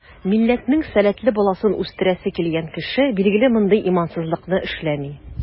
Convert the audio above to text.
Милләтнең сәләтле баласын үстерәсе килгән кеше, билгеле, мондый имансызлыкны эшләми.